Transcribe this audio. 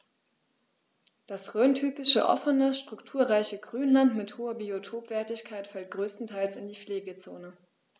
Das rhöntypische offene, strukturreiche Grünland mit hoher Biotopwertigkeit fällt größtenteils in die Pflegezone.